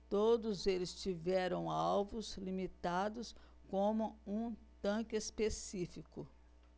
todos eles tiveram alvos limitados como um tanque específico